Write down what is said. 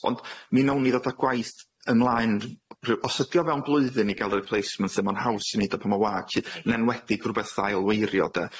Ond mi newn ni ddod â gwaith ymlaen ry- ryw... Os ydi o fewn blwyddyn i ga'l yr replacements, 'dyn ma'n haws i neud o pan ma'n wag lly, yn enwedig rwbeth tha ailweirio 'de.